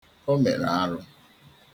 O mere arụ.